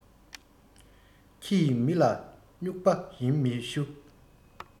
ཁྱི ཡིས མི ལ རྨྱུག པ ཡིན མི ཞུ